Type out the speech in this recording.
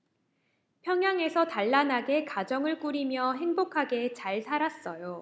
평양에서 단란하게 가정을 꾸리며 행복하게 잘 살았어요